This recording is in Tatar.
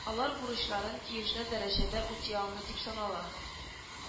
Алар бурычларын тиешле дәрәҗәдә үти алмый дип санала